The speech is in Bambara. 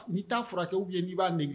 N'i taa furakɛw ye n' b'a nin